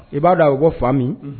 I b'a dɔn, a bɛ bɔ fan min? Un.